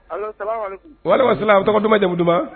Allo salamu aleyikun, walekumasala, tɔgɔ duman jamu duman